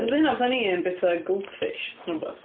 'Sa hynna fatha ni yn bwyta goldfish neu rywbeth.